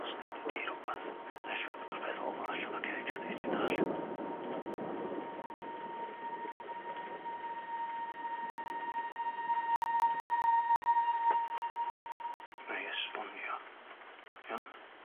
Os deutha i ti rwbath nai'n siŵr bod o'r peth ola allan o ceg chdi ti'n dallt. Nai esbonio. Iawn?